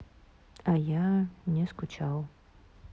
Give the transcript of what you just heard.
а я не скучал